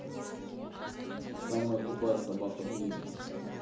самая тупая собака в мире